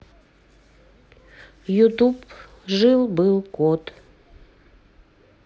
ютуб жил был кот